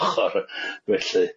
ochor felly.